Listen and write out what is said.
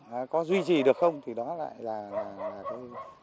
có duy trì được không thì đó lại là là cái